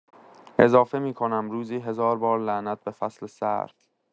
اضافه می‌کنم روزی هزار بار لعنت به فصل سرد.